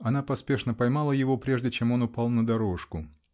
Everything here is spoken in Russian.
Она поспешно поймала его, прежде чем он упал на дорожку.